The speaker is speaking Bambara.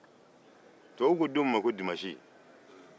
tubabuw ko don min ma ko dimansi